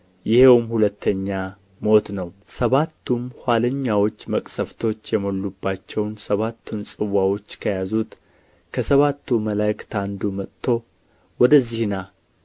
ይኸውም ሁለተኛው ሞት ነው ሰባቱም ኋለኛዎች መቅሠፍቶች የሞሉባቸውን ሰባቱን ጽዋዎች ከያዙት ከሰባቱ መላእክት አንዱ መጥቶ ወደዚህ ና